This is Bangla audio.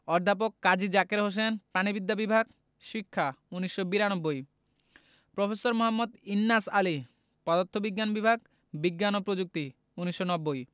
অধ্যাপক কাজী জাকের হোসেন প্রাণিবিদ্যা বিভাগ শিক্ষা ১৯৯২ প্রফেসর মোঃ ইন্নাস আলী পদার্থবিজ্ঞান বিভাগ বিজ্ঞান ও প্রযুক্তি ১৯৯০